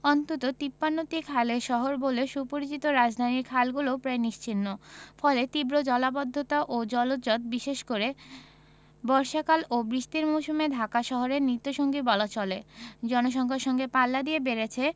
অন্তত ৫৩টি খালের শহর বলে সুপরিচিত রাজধানীর খালগুলোও প্রায় নিশ্চিহ্ন ফলে তীব্র জলাবদ্ধতা ও জলজট বিশেষ করে বর্ষাকাল ও বৃষ্টির মৌসুমে ঢাকা শহরের নিত্যসঙ্গী বলা চলে জনসংখ্যার সঙ্গে পাল্লা দিয়ে বেড়েছে